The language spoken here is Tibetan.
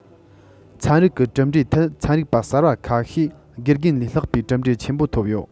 ཚན རིག གི གྲུབ འབྲས ཐད ཚན རིག པ གསར པ ཁ ཤས དགེ རྒན ལས ལྷག པའི གྲུབ འབྲས ཆེན པོ ཐོབ ཡོད